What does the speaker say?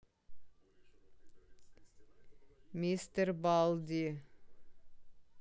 мистер балди